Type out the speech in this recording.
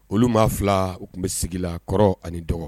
Olu maa fila u tun bɛ sigi la kɔrɔ ani dɔgɔ